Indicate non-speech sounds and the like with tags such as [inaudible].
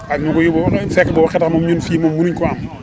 [crosstalk] ak ñu muy booba fekk booba xetax moom ñun fii moom munuñ koo am